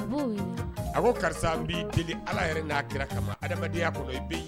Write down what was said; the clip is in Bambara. A ko karisa bɛ ala yɛrɛ n'a kira kama adamadenya kɔnɔ